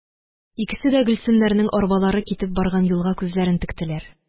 Икесе дә Гөлсемнәрнең арбалары китеп барган юлга күзләрен тектеләр.